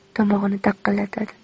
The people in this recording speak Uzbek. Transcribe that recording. tomog'ini taqillatadi